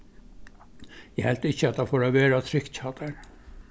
eg helt ikki at tað fór at vera trygt hjá tær